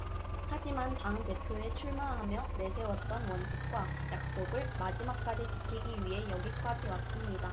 하지만 당 대표에 출마하며 내세웠던 원칙과 약속을 마지막까지 지키기 위해 여기까지 왔습니다